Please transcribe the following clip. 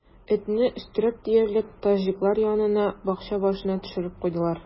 Этне, өстерәп диярлек, таҗиклар янына, бакча башына төшереп куйдылар.